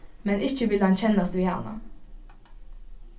men ikki vil hann kennast við hana